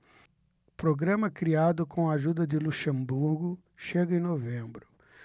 programa criado com a ajuda de luxemburgo chega em novembro